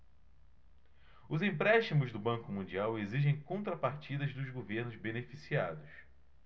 os empréstimos do banco mundial exigem contrapartidas dos governos beneficiados